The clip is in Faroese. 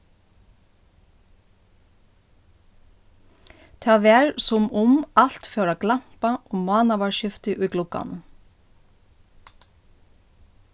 tað var sum um alt fór at glampa um mánaðarskiftið í glugganum